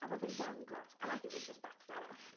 A mae fe'n dangos and I think this just backs that up.